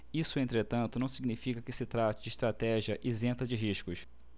isso entretanto não significa que se trate de estratégia isenta de riscos